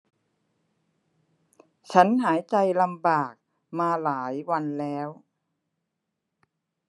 ฉันหายใจลำบากมาหลายวันแล้ว